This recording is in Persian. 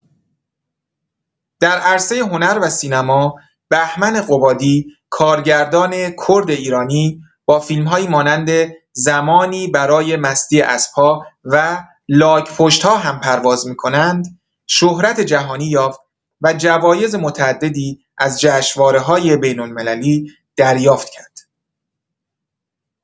در عرصه هنر و سینما، بهمن قبادی، کارگردان کرد ایرانی، با فیلم‌هایی مانند «زمانی برای مستی اسب‌ها» و «لاک‌پشت‌ها هم پرواز می‌کنند» شهرت جهانی یافت و جوایز متعددی از جشنواره‌های بین‌المللی دریافت کرد.